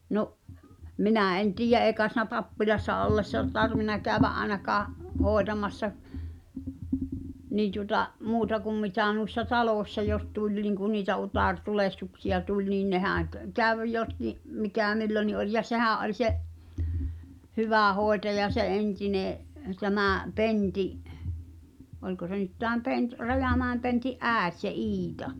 no minä en tiedä ei kai sinä pappilassa ollessa tarvinnut käydä ainakaan hoitamassa niin tuota muuta kuin mitä noissa taloissa jos tuli niin kuin niitä utaretulehduksia tuli niin nehän - kävi jotkin mikä milloinkin oli ja sehän oli se hyvä hoitaja se entinen tämä Pentin oliko se nyt tämä - Rajamäen Pentin äiti se Iita